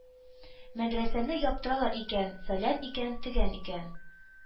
Мәдрәсәне яптыралар икән, фәлән икән, төгән икән!